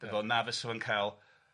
na fysa fo'n cal